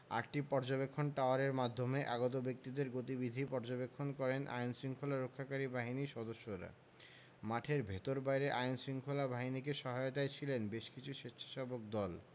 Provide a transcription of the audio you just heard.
আটটি পর্যবেক্ষণ টাওয়ারের মাধ্যমে আগত ব্যক্তিদের গতিবিধি পর্যবেক্ষণ করেন আইনশৃঙ্খলা রক্ষাকারী বাহিনীর সদস্যরা মাঠের ভেতর বাইরে আইনশৃঙ্খলা বাহিনীকে সহায়তায় ছিল বেশ কিছু স্বেচ্ছাসেবক দল